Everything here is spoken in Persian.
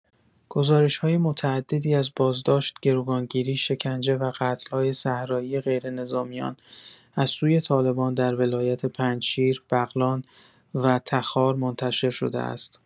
گزارش‌های متعددی از بازداشت، گروگانگیری، شکنجه و قتل‌های صحرایی غیرنظامیان از سوی طالبان در ولایت پنجشیر، بغلان و تخار منتشر شده است.